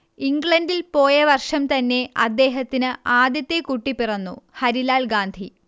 ഇംഗ്ലണ്ടിൽ പോയ വർഷം തന്നെ അദ്ദേഹത്തിന് ആദ്യത്തെ കുട്ടി പിറന്നു ഹരിലാൽ ഗാന്ധി